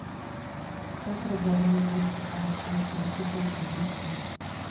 как разогнать лучевую кость руки после гипса